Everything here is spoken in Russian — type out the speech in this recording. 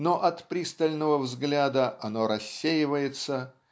но от пристального взгляда оно рассеивается